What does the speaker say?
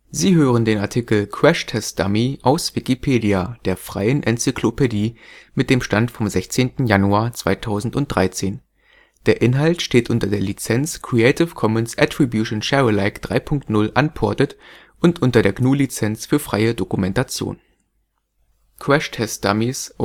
Sie hören den Artikel Crashtest-Dummy, aus Wikipedia, der freien Enzyklopädie. Mit dem Stand vom Der Inhalt steht unter der Lizenz Creative Commons Attribution Share Alike 3 Punkt 0 Unported und unter der GNU Lizenz für freie Dokumentation. Der Titel dieses Artikels ist mehrdeutig. Ein Artikel zur kanadischen Rockband mit gleichlautendem Namen findet sich unter Crash Test Dummies Crashtest-Dummy in einem Auto Crashtest-Dummies